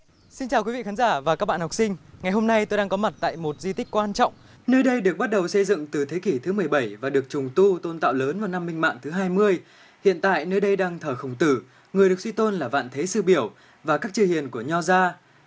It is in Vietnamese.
xin chào quý vị khán giả và các bạn học sinh ngày hôm nay tôi đang có mặt tại một di tích quan trọng nơi đây được bắt đầu xây dựng từ thế kỷ thứ mười bảy và được trùng tu tôn tạo lớn vào năm minh mạng thứ hai mươi hiện tại nơi đây đang thờ khổng tử người được suy tôn là vạn thế sư biểu và các chư hiền của nho gia